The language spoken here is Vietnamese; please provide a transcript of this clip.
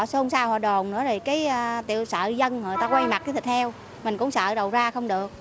xôn xao họ đồn nó đầy cái tiểu xảo dân người ta quay mặt thịt heo mình cũng sợ đầu ra không được